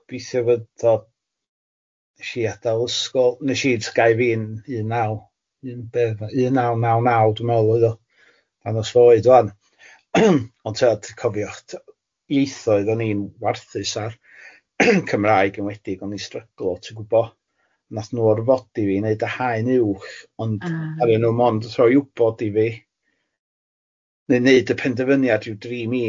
Gobithio fod tibo, wnesh i adael ysgol wnes i tibod tygau fi'n un naw un be- un naw naw naw dwi'n meddwl oedd o, dangos f'oed ŵan ond tibod cofiwch ithoedd o'n i'n warthus ar Cymraeg enwedig o'n i'n stryglo ti'n gwybod wnaeth nhw orfodi fi i neud y haen uwch... Ah. ...ond oedden nhw mond rhoi wybod i fi, neu wneud y penderfyniad rhyw dri mis cyn